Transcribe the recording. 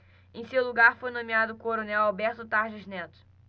em seu lugar foi nomeado o coronel alberto tarjas neto